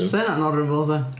Bysa hynna'n horrible 'de.